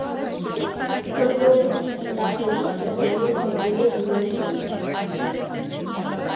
Խնձորեսկի գիտակներից է նաև Հերմինե Դիլանչյանը։